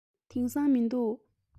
དེང སང མི འདུག